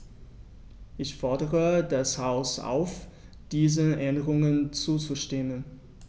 Ich fordere das Haus auf, diesen Änderungen zuzustimmen.